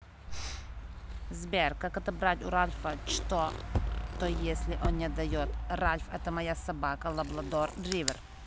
сбер как отобрать у ральфа что то если он не отдает ральф это моя собака лабрадор ривер